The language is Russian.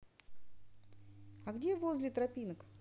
а где возле тропинок